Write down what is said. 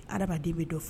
Ala den bɛ dɔ fɔ